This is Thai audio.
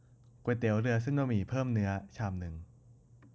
ก๋วยเตี๋ยวเรือเส้นบะหมี่เพิ่มเนื้อชามนึง